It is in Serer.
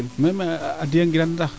meme a diya ngiran sax